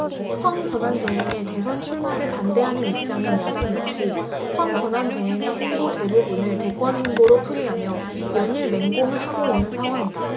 황 권한대행의 대선 출마를 반대하는 입장인 야당 역시 황 권한대행의 행보 대부분을 대권행보로 풀이하며 연일 맹공을 하고 있는 상황이다